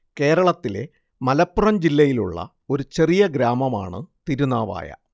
കേരളത്തിലെ മലപ്പുറം ജില്ലയിലുള്ള ഒരു ചെറിയ ഗ്രാമമാണ് തിരുനാവായ